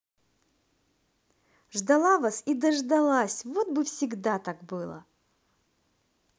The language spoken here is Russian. ждала вас и дождалась вот бы всегда так было